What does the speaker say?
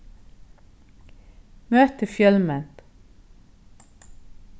møtið fjølment